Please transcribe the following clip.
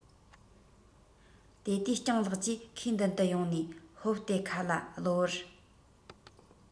དེ དུས སྤྱང ལགས ཀྱིས ཁོའི མདུན དུ ཡོང ནས ཧོབ སྟེ ཁ ལ གློ བུར